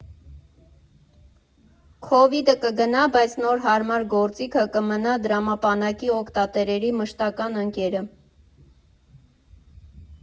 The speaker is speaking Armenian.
Քովիդը կգնա, բայց նոր հարմար գործիքը կմնա դրամապանակի օգտատերերի մշտական ընկերը։